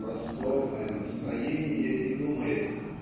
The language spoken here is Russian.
"просторное" настроение и думает